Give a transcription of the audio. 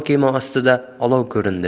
kema ostida olov ko'rindi